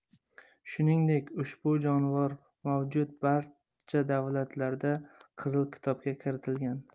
shuningdek ushbu jonivor mavjud barcha davlatlarda qizil kitobga kiritilgan